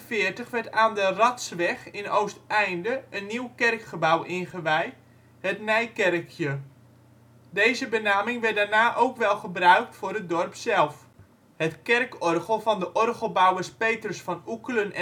1846 werd aan de Radsweg in Oosteinde een nieuw kerkgebouw ingewijd, het Nijkerkje. Deze benaming werd daarna ook wel gebruikt voor het dorp zelf. Het kerkorgel van de orgelbouwers Petrus van Oeckelen